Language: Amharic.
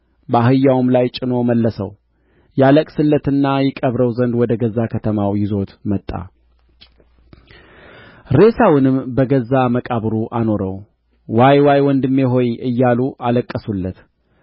በአህያውም ላይ ጭኖ መለሰው ያለቅስለትና ይቀብረው ዘንድ ወደ ገዛ ከተማው ይዞት መጣ ሬሳውንም በገዛ መቃብሩ አኖረው ዋይ ዋይ ወንድሜ ሆይ እያሉ አለቀሱለት